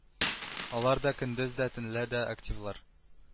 Алар көндез дә төнлә дә активлар